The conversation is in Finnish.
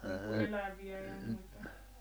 niin kuin eläviä ja muita